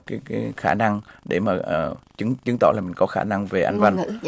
cái cái khả năng để mà ờ chứng chứng tỏ là mình có khả năng về anh văn